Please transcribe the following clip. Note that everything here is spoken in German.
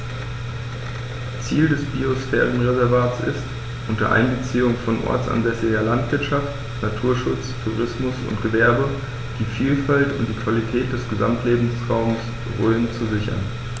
Ziel dieses Biosphärenreservates ist, unter Einbeziehung von ortsansässiger Landwirtschaft, Naturschutz, Tourismus und Gewerbe die Vielfalt und die Qualität des Gesamtlebensraumes Rhön zu sichern.